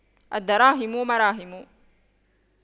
الدراهم مراهم